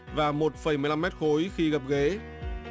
và một phẩy mười lăm mét khối khi gập ghế